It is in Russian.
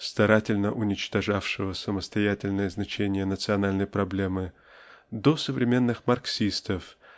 старательно уничтожавшего самостоятельное значение национальной проблемы до современных марксистов